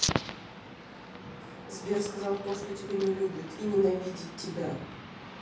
сбер сказал то что тебя не любит и ненавидеть тебя